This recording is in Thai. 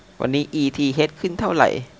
วันนี้อีทีเฮชขึ้นเท่าไหร่